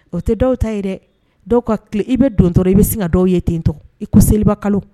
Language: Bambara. O tɛ dɔw ta ye dɛ dɔw ka tile i bɛ don dɔrɔn i bɛ sin ka dɔw ye tentɔ i ko selibakalo